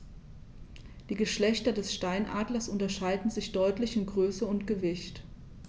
Die Geschlechter des Steinadlers unterscheiden sich deutlich in Größe und Gewicht.